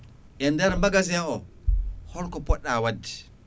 e nder magasin o holko poɗɗa wadde